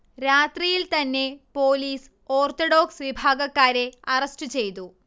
രാത്രിയിൽതന്നെ police orthodox വിഭാഗക്കാരെ arrest ചെയ്തു